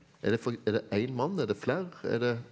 er det for er det en mann er det flere er det?